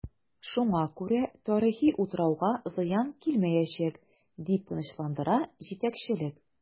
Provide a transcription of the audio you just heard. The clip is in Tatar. Шуңа күрә тарихи утрауга зыян килмиячәк, дип тынычландыра җитәкчелек.